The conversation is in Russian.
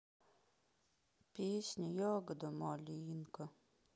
песня ягода малинка